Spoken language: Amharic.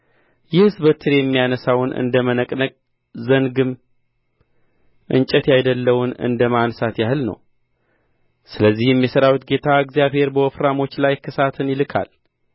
ይህስ በትር የሚያነሣውን እንደ መነቅነቅ ዘንግም እንጨት ያይደለውን እንደ ማንሣት ያህል ነው ስለዚህም የሠራዊት ጌታ እግዚአብሔር በወፍራሞች ላይ ክሳትን ይልካል